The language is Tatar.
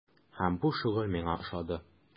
Һәм бу шөгыль миңа ошады.